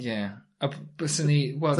Ie a by- byswn i wel...